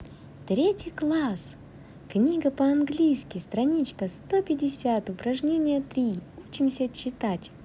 третий класс книга по английски страничка сто пятьдесят упражнения три учимся читать